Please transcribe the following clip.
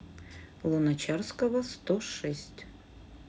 луначарского сто шесть